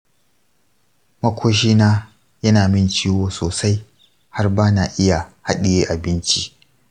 makoshina yana min ciwo sosai har ba na iya haɗiye abinci.